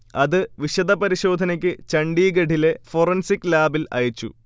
അത് വിശദപരിശോധനയ്ക്ക് ചണ്ഡീഗഢിലെ ഫൊറൻസിക് ലാബിൽ അയച്ചു